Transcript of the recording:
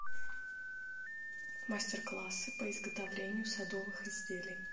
мастер классы по изготовлению садовых изделий